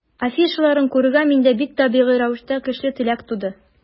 Афишаларын күрүгә, миндә бик табигый рәвештә көчле теләк туды.